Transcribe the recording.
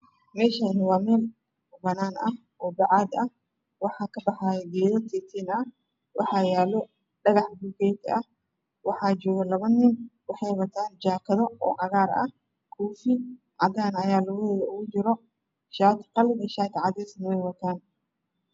Meshani waa meel bacad ah oo banaan waxaa ka baxaaya titin ah waxaa yala dhagax bulakeeti ah waxaa jooga laba niin weexy watan jakado cagar ah kofi cadan ah ayaa labadooda ugu jiro shati qalin iyo shati cadeesan way wataan